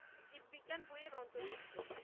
জীব বিজ্ঞান বই এর অন্তর্ভুক্ত